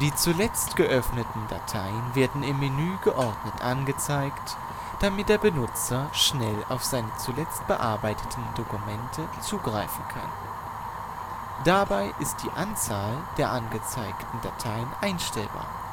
zuletzt geöffneten Dateien werden im Menü geordnet angezeigt, damit der Benutzer schnell auf seine zuletzt bearbeiteten Dateien zugreifen kann. Dabei ist die Anzahl der angezeigten Dateien einstellbar